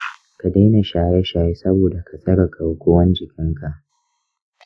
ka daina shaye shaye saboda ka tsare garkuwan jikin ka.